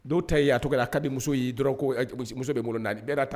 Dɔw ta yen a tɔgɔ, a ka di muso ye dɔrɔn muso de b'olu bolo na bɛɛ y'a ta